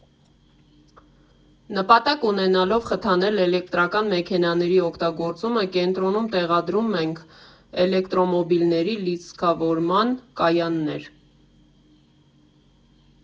Նպատակ ունենալով խթանել էլեկտրական մեքենաների օգտագործումը կենտրոնում՝ տեղադրում ենք Էլեկտրոմոբիլների լիցքավորման կայաններ։